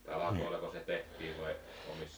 talkoillako se tehtiin vai omissa